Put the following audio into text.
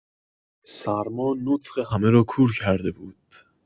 سرما نطق همه را کور کرده بود.